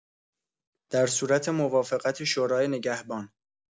در صورت موافقت شورای نگهبان